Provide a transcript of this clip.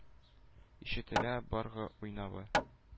Ишетелә быргы уйнавы.